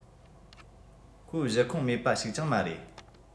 ཁོ གཞི ཁུངས མེད པ ཞིག ཀྱང མ རེད